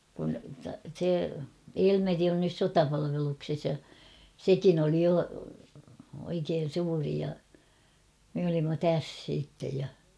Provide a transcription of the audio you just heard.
kun se Elmeri on nyt sotapalveluksessa ja sekin oli jo oikein suuri ja me olimme tässä sitten ja